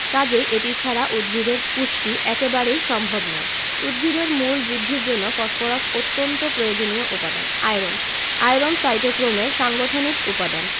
পুষ্টি একেবারেই সম্ভব নয় উদ্ভিদের মূল বৃদ্ধির জন্য ফসফরাস অত্যন্ত প্রয়োজনীয় উপাদান আয়রন আয়রন সাইটোক্রোমের সাংগঠনিক উপাদান